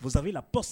Donsosa la